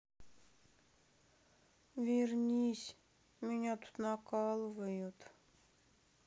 вернись меня тут накалывают